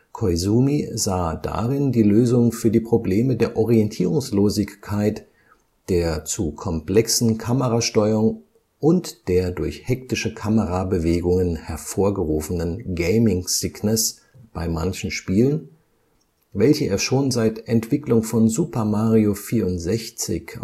Koizumi sah darin die Lösung für die Probleme der Orientierungslosigkeit, der zu komplexen Kamerasteuerung und der durch hektische Kamerabewegungen hervorgerufenen Gaming Sickness bei manchen Spielern, welche er schon seit Entwicklung von Super Mario 64